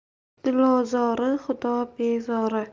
dilozori xudobezori